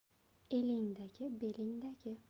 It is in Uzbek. elingdagi belingdagi